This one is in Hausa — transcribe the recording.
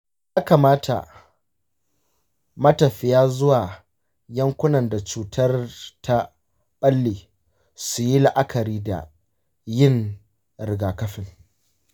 yakamata matafiya zuwa yankunan da cutar ta ɓalle su yi la'akari da yin rigakafi.